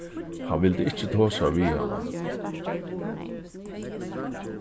hann vildi ikki tosa við hana